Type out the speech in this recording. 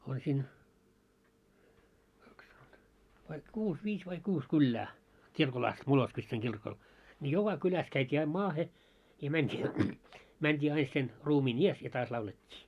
on siinä kaksi vai kuusi viisi vai kuusi kylää kirkolla asti Moloskovitsan kirkolla niin joka kylässä käytiin aina maahan ja mentiin mentiin aina sen ruumiin edessä ja taas laulettiin